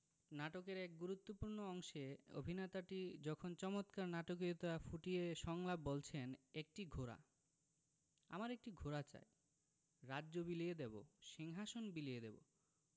নাটকের এক গুরুত্তপূ্র্ণ অংশে অভিনেতাটি যখন চমৎকার নাটকীয়তা ফুটিয়ে সংলাপ বলছেন একটি ঘোড়া আমার একটি ঘোড়া চাই রাজ্য বিলিয়ে দেবো সিংহাশন বিলিয়ে দেবো